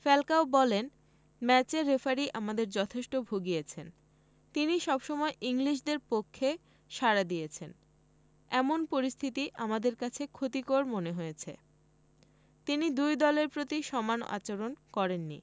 Falcao বলেন ম্যাচে referee আমাদের যথেষ্ট ভুগিয়েছেন তিনি সবসময় ইংলিশদের পক্ষে সাড়া দিয়েছেন এমন পরিস্থিতি আমাদের কাছে ক্ষতিকর মনে হয়েছে তিনি দুই দলের প্রতি সমান আচরণ করেননি